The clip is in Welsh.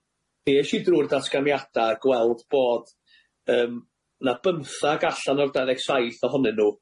Mi esh i drw'r datganiada a gweld bod yym 'na bymthag allan o'r dau ddeg saith ohonyn nw